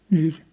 niin isä